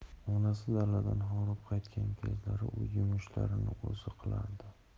onasi daladan horib qaytgan kezlari uy yumushlarini o'zi qilardi